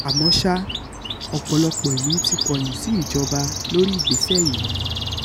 Àmọ́ ṣá, ọ̀pọ̀lọpọ̀ ìlú ti kọ̀yìn síjọba lórí ìgbésẹ̀ yìí.